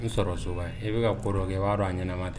I sɔrɔ so e bɛ ka kɔrɔ kɛ b'a dɔn a ɲɛnama tɛ